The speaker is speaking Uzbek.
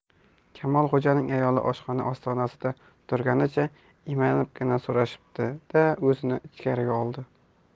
kamolxo'janing ayoli oshxona ostonasida turganicha iymanibginaso'rashdi da o'zini ichkari oldi